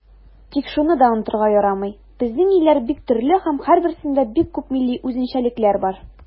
Тик шуны да онытырга ярамый, безнең илләр бик төрле һәм һәрберсендә бик күп милли үзенчәлекләр бар.